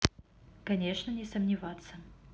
конечно не сомневаться